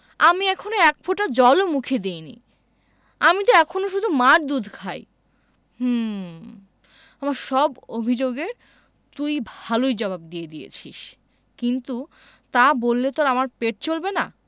আমি এখনো এক ফোঁটা জল ও মুখে দিইনি আমি ত এখনো শুধু মার দুধ খাই হুম আমার সব অভিযোগ এর তুই ভালই জবাব দিয়ে দিয়েছিস কিন্তু তা বললে তো আর আমার পেট চলবে না